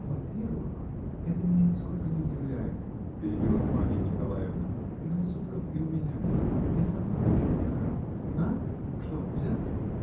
-- Во-первых, это меня нисколько не удивляет, -- перебила Марья Николаевна, -- предрассудков и у меня нет. Я сама дочь мужика. А? что, взяли?